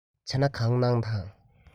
བྱས ན གང བླུགས དང